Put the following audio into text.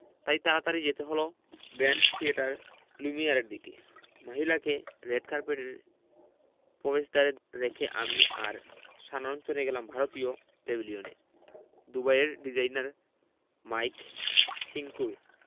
তাই তাড়াতাড়ি যেতে হলো গ্র্যান্ড থিয়েটার লুমিয়ারের দিকে মহিলাকে রেড কার্পেটের পবেশদ্বারে রেখে আমি আর শ্যানন চলে গেলাম ভারতীয় প্যাভিলিয়নে দুবাইয়ের ডিজাইনার মাইক সিঙ্কোর